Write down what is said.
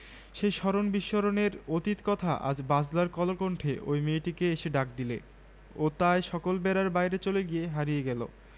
ও তাই বড় বড় চোখ মেলে নিস্তব্ধ দাঁড়িয়ে রইল যেন অনন্তকালেরই প্রতিমা